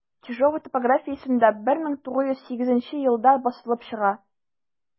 Чижова типографиясендә 1908 елда басылып чыга.